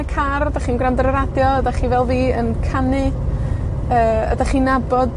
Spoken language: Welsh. y car, ydach chi'n gwrando ar y radio? Ydach chi, fel fi, yn canu? Yy, ydych chi'n nabod